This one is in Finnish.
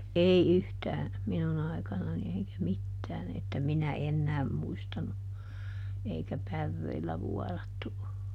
ei yhtään minun aikanani eikä mitään että minä enää muistanut eikä päreillä vuorattu ole